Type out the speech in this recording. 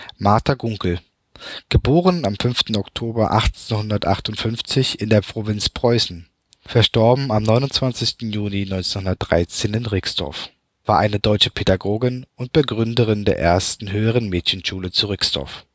Martha Gunkel (* 5. Oktober 1858 in der Provinz Preußen; † 29. Juni 1913 in Rixdorf) war eine deutsche Pädagogin und Begründerin der ersten Höheren Mädchenschule zu Rixdorf